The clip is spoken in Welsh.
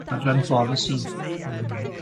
###adran bolisi yy